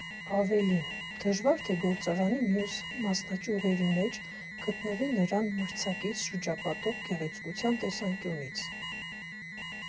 Ավելին, դժվար թե գործարանի մյուս մասնաճյուղերի մեջ գտնվի նրան մրցակից շրջապատող գեղեցկության տեսանկյունից։